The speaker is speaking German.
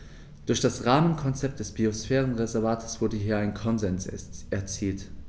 Durch das Rahmenkonzept des Biosphärenreservates wurde hier ein Konsens erzielt.